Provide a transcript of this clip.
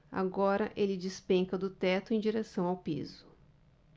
agora ele despenca do teto em direção ao piso